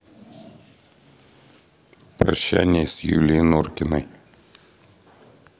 прощание с юлией норкиной